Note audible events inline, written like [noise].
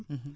[hesitation] [hesitation]